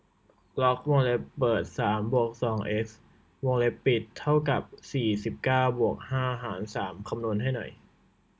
ล็อกวงเล็บเปิดสามบวกสองเอ็กซ์วงเล็บปิดเท่ากับสี่สิบเก้าบวกห้าหารสามคำนวณให้หน่อย